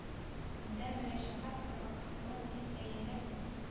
Анда мөрәҗәгать провокацион дип бәяләнә